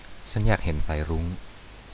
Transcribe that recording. ฉันอยากเห็นสายรุ้ง